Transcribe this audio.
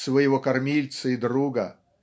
своего кормильца и друга.